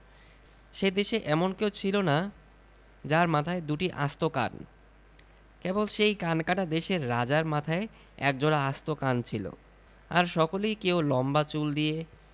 সে দেশে এমন কেউ ছিল না যার মাথায় দুটি আস্ত কান কেবল সেই কানকাটা দেশের রাজার মাথায় একজোড়া আস্ত কান ছিল আর সকলেই কেউ লম্বা চুল দিয়ে